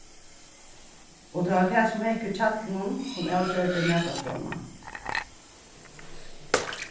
og tað var tað sum hekk í hjallinum sum avgjørdi matarskránna